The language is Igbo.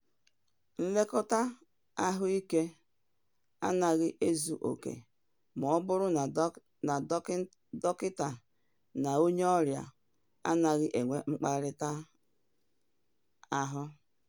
"Nlekọta ahụike anaghị ezughị oke ma ọ bụrụ na dọkịta na onye ọrịa anaghị enwe mkpakọrịta ahụ.